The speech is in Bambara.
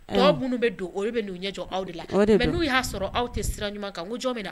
Baw minnu bɛ don olu bɛ'u ɲɛ jɔ aw de la mɛ n'u y'a sɔrɔ aw tɛ sira ɲuman kan n jɔn min na